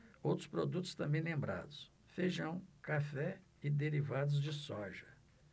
outros produtos também lembrados feijão café e derivados de soja